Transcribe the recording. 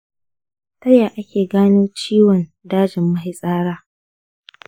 ta yaya ake gano ciwon dajin mafitsara?